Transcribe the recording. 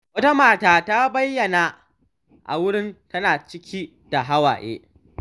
Wata mata ta bayyana a wurin tana cike da hawaye.